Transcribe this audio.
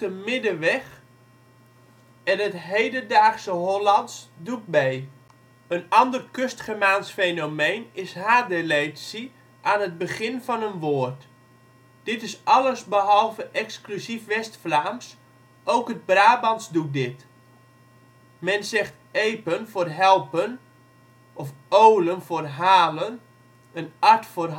middenweg en het hedendaagse Hollands doet mee. Een ander Kustgermaans fenomeen is h-deletie aan het begin van een woord. Dit is allesbehalve exclusief West-Vlaams, ook het Brabants doet dit. Men zegt èpen (helpen), òòlen (halen) en ard (hard